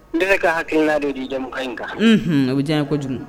Ne ka hakili la de jamu in kan ne bɛ diya ye kojugu